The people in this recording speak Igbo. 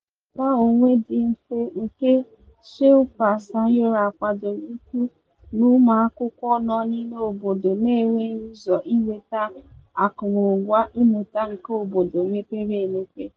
Usoro mmụta onwe dị mfe nke Shilpa Sayura gbadoro ụkwụ n'ụmụakwụkwọ nọ n'ime obodo na-enweghị ụzọ inweta akụrụngwa mmụta nke obodo mepere emepe.